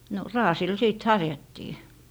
no raasilla sitten harjattiin